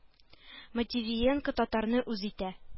Мативиенко татарны үз итә